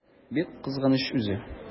Бик кызганыч үзе!